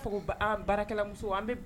An baramuso